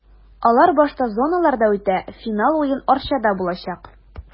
Алар башта зоналарда үтә, финал уен Арчада булачак.